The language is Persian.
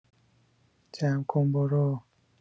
جمع‌کن برو